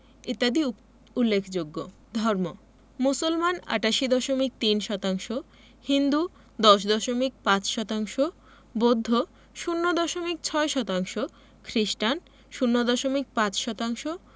ইত্যাদি উল্লেখযোগ্য ধর্ম মুসলমান ৮৮দশমিক ৩ শতাংশ হিন্দু ১০দশমিক ৫ শতাংশ বৌদ্ধ ০ দশমিক ৬ শতাংশ খ্রিস্টান ০দশমিক ৫ শতাংশ